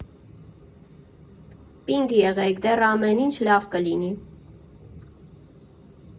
«Պինդ եղեք, դեռ ամեն ինչ լավ կլինի»։